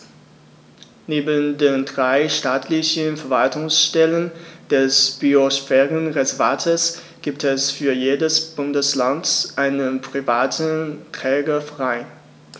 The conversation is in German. Neben den drei staatlichen Verwaltungsstellen des Biosphärenreservates gibt es für jedes Bundesland einen privaten Trägerverein.